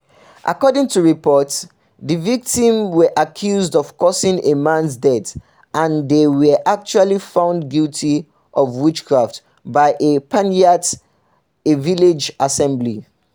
According to reports, the victims were accused of causing a man's death and they were eventually found guilty of witchcraft by a Panchayat (a village assembly).